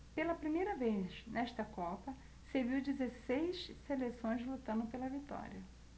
pela primeira vez nesta copa se viu dezesseis seleções lutando pela vitória